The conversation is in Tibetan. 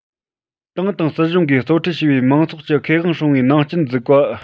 ཏང དང སྲིད གཞུང གིས གཙོ ཁྲིད བྱས པའི མང ཚོགས ཀྱི ཁེ དབང སྲུང བའི ནང རྐྱེན འཛུགས པ